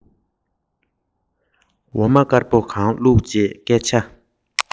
མོས དུས རྒྱུན ལྟར བྱང ཆ ལྡན པའི